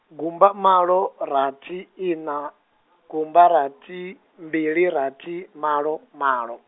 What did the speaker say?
gumba malo, rathi ina, gamba rathi, mbili rathi, malo malo.